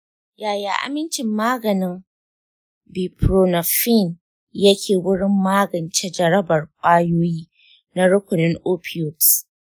yaya amincin maganin buprenorphine yake wurin magance jarabar ƙwayoyi na rukunin opioids?